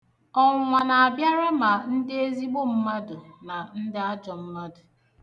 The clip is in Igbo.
Ọnwụnwa na-abịara ma ndị ezigbo mmadụ na ndị ajọ mmadụ.